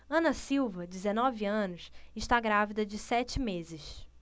ana silva dezenove anos está grávida de sete meses